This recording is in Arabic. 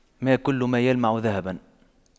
ما كل ما يلمع ذهباً